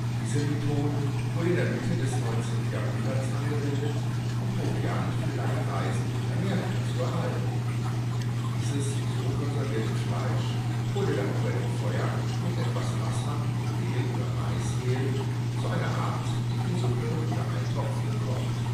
Diese Methode wurde in der Mitte des 19. Jahrhunderts angewendet, um Proviant für lange Reisen durch Amerika zu erhalten. Dieses so konservierte Fleisch wurde dann über dem Feuer mit etwas Wasser und Mehl oder Maismehl zu einer Art dicken Suppe oder Eintopf gekocht